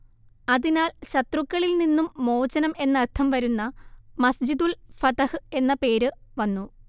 അതിനാൽ ശത്രുക്കളിൽ നിന്നും മോചനം എന്നർത്ഥം വരുന്ന മസ്ജിദുൽ ഫതഹ് എന്ന പേര് വന്നു